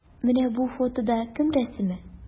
Менә бу фотода кем рәсеме?